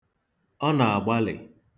Ọ na-agbalị.